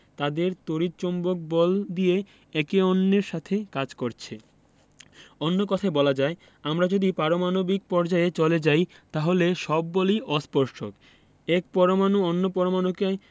তাদের তড়িৎ চৌম্বক বল দিয়ে একে অন্যের সাথে কাজ করছে অন্য কথায় বলা যায় আমরা যদি পারমাণবিক পর্যায়ে চলে যাই তাহলে সব বলই অস্পর্শক এক পরমাণু অন্য পরমাণুকে